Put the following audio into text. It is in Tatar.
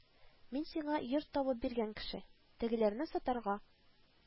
Мин сиңа йорт табып биргән кеше, тегеләрне сатарга,